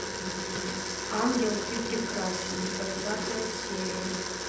ангел ты прекрасен двадцатая серия